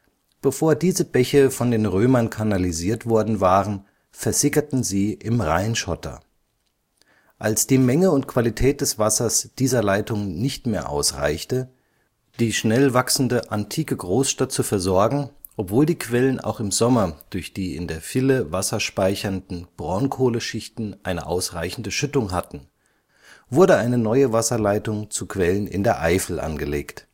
Bevor diese Bäche von den Römern kanalisiert worden waren, versickerten sie im Rheinschotter. Als die Menge und Qualität des Wassers dieser Leitung nicht mehr ausreichte, die schnell wachsende antike Großstadt zu versorgen, obwohl die Quellen auch im Sommer durch die in der Ville wasserspeichernden Braunkohleschichten eine ausreichende Schüttung hatten, wurde eine neue Wasserleitung zu Quellen in der Eifel angelegt